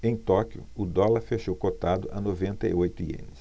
em tóquio o dólar fechou cotado a noventa e oito ienes